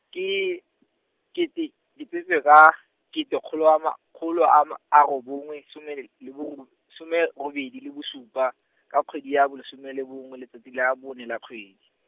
ke, kete, ke tsetswe ka, kete kgolo a ma- kgolo a ma- a robongwe, some l- le boro- some robedi le bosupa, ka kgwedi ya bolesome le bongwe le tsatsi la bone la kgwedi.